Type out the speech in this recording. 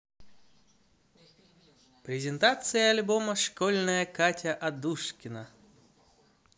презентация альбома школьная катя адушкина